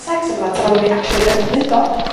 ...secs a petha tan oddwn i actually yn neud o.